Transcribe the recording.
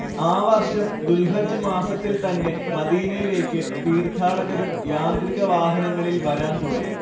ആ വർഷം ദുൽഹജ്ജ് മാസത്തിൽ തന്നെ മദീനയിലേക്ക് തീർത്ഥാടകരും യാന്ത്രിക വാഹനങ്ങളിൽ വരാൻ തുടങ്ങി